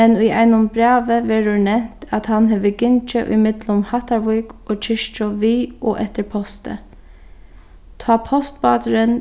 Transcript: men í einum brævi verður nevnt at hann hevur gingið í millum hattarvík og kirkju við og eftir posti tá postbáturin